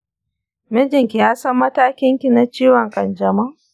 mijinki yasan matakin ki na ciwon ƙanjamau?